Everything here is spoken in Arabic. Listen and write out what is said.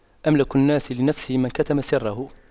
أملك الناس لنفسه من كتم سره